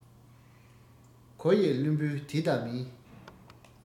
གོ ཡི བླུན པོས དེ ལྟ མིན